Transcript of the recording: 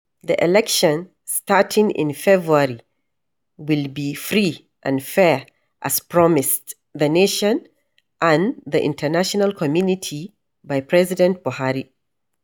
The elections starting in February will be free and fair as promised the nation and the international community by President Buhari.